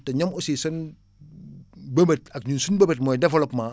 te ñoom aussi seen mbëbët ak ñun suñu mbëbët mooy développement